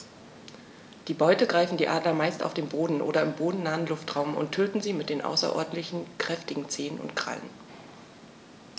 Die Beute greifen die Adler meist auf dem Boden oder im bodennahen Luftraum und töten sie mit den außerordentlich kräftigen Zehen und Krallen.